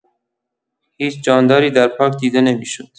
هیچ جانداری در پارک دیده نمی‌شد.